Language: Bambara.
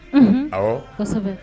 Un ɔwɔ